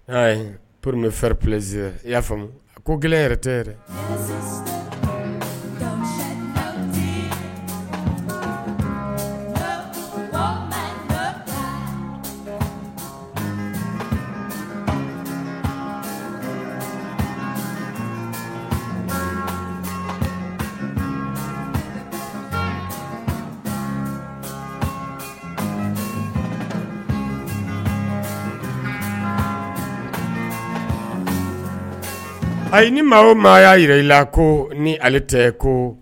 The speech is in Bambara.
Ɛ p bɛ fɛrɛ presise i y'a fa ko gɛlɛn yɛrɛ tɛ yɛrɛ diɲɛ maa ayi ni maa maa y'a jira i la ko ni ale tɛ ko